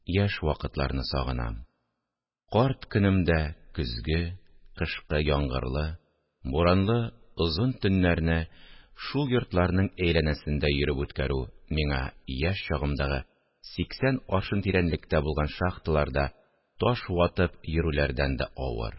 – яшь вакытларны сагынам, карт көнемдә көзге, кышкы, яңгырлы, буранлы озын төннәрне шул йортларның әйләнәсендә йөреп үткәрү миңа яшь чагымдагы сиксән аршын тирәнлектә булган шахталарда таш ватып йөрүләрдән дә авыр